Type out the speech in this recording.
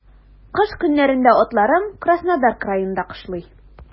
Кыш көннәрендә атларым Краснодар краенда кышлый.